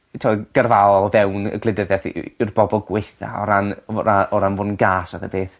t'od gyrfaol o fewn y gwleidyddieth y- y- yw'r bobol gwaetha' o ran fod 'na o ran fod yn gas fath o peth.